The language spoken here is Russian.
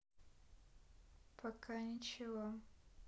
пока ничего